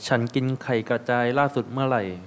ฉันกินไข่กระจายล่าสุดเมื่อไหร่